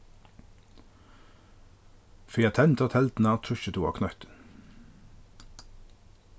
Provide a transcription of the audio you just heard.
fyri at tendra telduna trýstir tú á knøttin